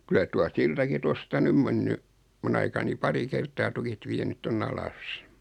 kyllä tuo siltakin tuosta nyt on mennyt minun aikani pari kertaa tukit vienyt tuonne alas